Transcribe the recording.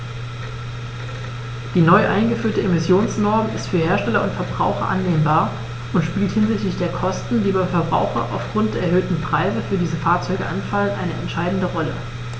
Die neu eingeführte Emissionsnorm ist für Hersteller und Verbraucher annehmbar und spielt hinsichtlich der Kosten, die beim Verbraucher aufgrund der erhöhten Preise für diese Fahrzeuge anfallen, eine entscheidende Rolle.